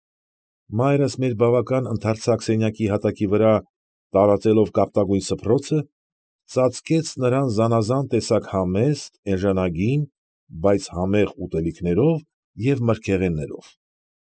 Մայրս մեր բավական ընդարձակ սենյակի հատակի վրա տարածելով կապտագույն սփռոցը, ծածկեց նրան զանազան տեսակ համեստ, էժանագին, բայց համեղ ուտելիքներով և մրգեղեններով։